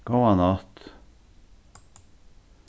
góða nátt